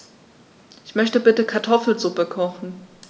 Ich möchte bitte Kartoffelsuppe kochen.